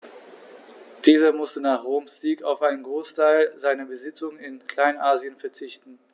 Dieser musste nach Roms Sieg auf einen Großteil seiner Besitzungen in Kleinasien verzichten.